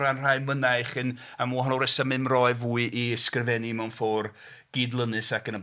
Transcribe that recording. O ran rhai mynaich yn, am wahanol resymau, ymroi fwy i ysgrifennu mewn ffordd gyd-lynus ac yn y blaen.